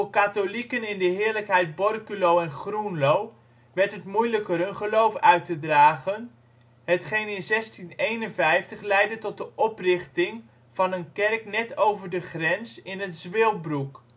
katholieken in de Heerlijkheid Borculo en Groenlo werd het moeilijker hun geloof uit te dragen, hetgeen in 1651 leidde tot de oprichting van een kerk net over de grens in het Zwilbroek